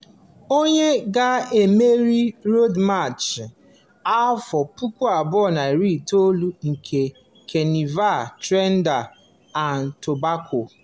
Onye ga-emeri Road March 2019 nke Kanịva Trinidad & Tobago?